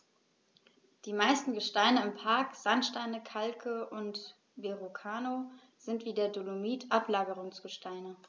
Die meisten Gesteine im Park – Sandsteine, Kalke und Verrucano – sind wie der Dolomit Ablagerungsgesteine.